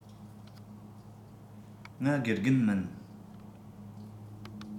ང དགེ རྒན མིན